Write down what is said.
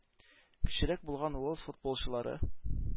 Кечерәк булган уэльс футболчылары